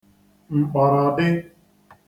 mkpọrọdị̄